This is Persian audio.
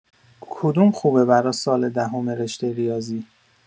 کدوم خوبه برا سال دهم رشته ریاضی؟